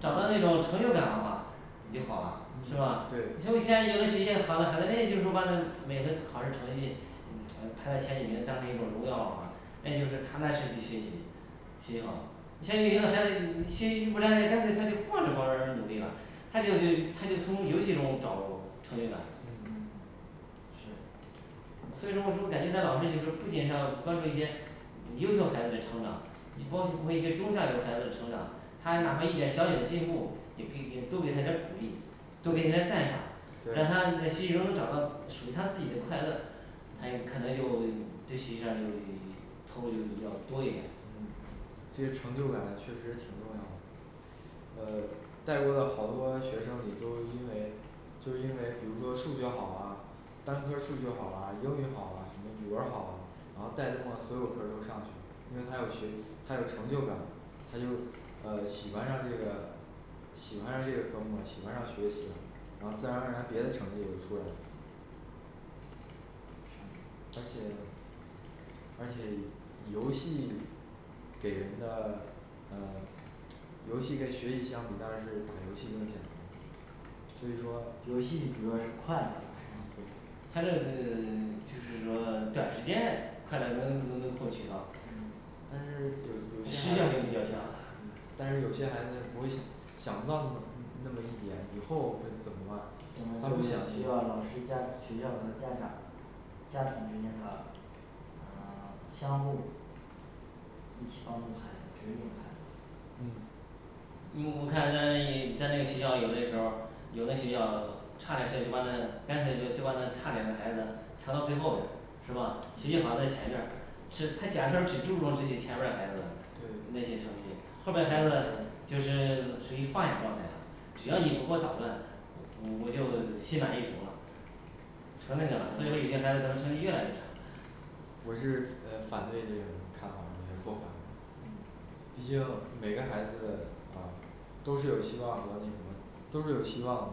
找到那种成就感了嘛你就好了是嗯吧，？对你说现在有的学习好的孩子人家就是把每回考试成绩嗯呃排在前几名当成一种荣耀咯话，那就是踏踏实去学习心好你像有的孩子你心不占干脆他就不往这方面儿努力啦他就是他就从游戏中找成就感嗯是所以说我说感觉在老师就是不仅是要关注一些优秀孩子嘞成长也包括一些中下游孩子嘞成长他哪怕一点小小的进步也可以给多给他点儿鼓励多给他点儿赞赏让对他在学习中能找到属于他自己的快乐他可能就就学习上就 投入就比较多一点嗯其实成就感确实是挺重要的呃带过的好多学生里都因为就是因为比如说数学好啊单科儿数学好啊英语好啊什么语文儿好啊然后带动了所有科儿都上去因为他有学他有成就感他就呃喜欢上这个喜欢上这个科目了喜欢上学习然后自然而然别的成绩也就出来了而且而且游戏给人的呃游戏跟学习相比当然是打游戏更简单所以说游戏主要是快乐嗯对他这这 就是说短时间内快乐能能获取到嗯但是有有些需要孩性子比较强嗯但是有些孩子他不会想 想不到那么那那么一点以后会怎么办怎么他就不想需去要老师家学校和家长家庭之间的呃 相互一起帮助孩子指引孩子嗯我我看咱那咱那学校有嘞时候儿有的学校差两下就把那干脆就就把那差点的孩子调到最后边儿是吧学习好在前边儿是他讲课时候儿只注重这些前边儿的孩子对那些成绩后边儿孩子就是属于放养状态啦只要你不给我捣乱我我就心满意足啦成那个啦所以说有些孩子成绩可能越来越差我是呃反对这种看法儿和做法儿嗯毕竟每个孩子啊都是有希望得那什么都是有希望的